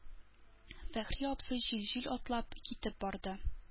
Фәхри абзый җил-җил атлап китеп барды.